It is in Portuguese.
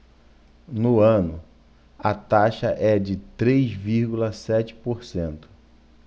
no ano a taxa é de três vírgula sete por cento